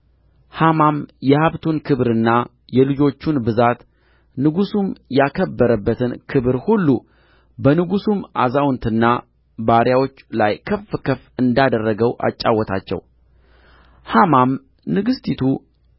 ሐማም የሀብቱን ክብርና የልጆቹን ብዛት ንጉሡም ያከበረበትን ክብር ሁሉ በንጉሡም አዛውንትና ባሪያዎች ላይ ከፍ ከፍ እንዳደረገው አጫወታቸው ሐማም ንግሥቲቱ